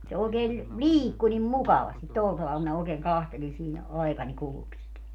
se oikein liikkui niin mukavasti tuolla tavalla minä oikein katselin siinä aikani kuluksi sitä